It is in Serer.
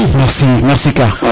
merci merci Ka